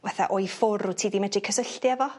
fatha o i ffwr wt ti 'di medru cysylltu efo?